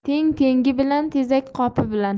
teng tengi bilan tezak qopi bilan